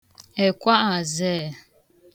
èkwààzeè